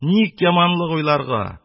Ник яманлык уйларга?